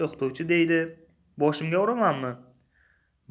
o'qituvchi deydi boshimga uramanmi